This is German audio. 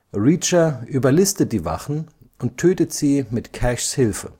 Reacher überlistet die Wachen und tötet sie mit Cashs Hilfe